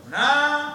H